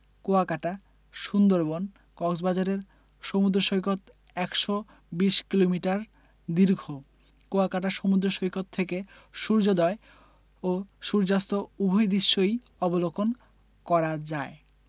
কুয়াকাটা সুন্দরবন কক্সবাজারের সমুদ্র সৈকত ১২০ কিলোমিটার দীর্ঘ কুয়াকাটা সমুদ্র সৈকত থেকে সূর্যোদয় ও সূর্যাস্ত উভয় দৃশ্যই অবলোকন করা যায়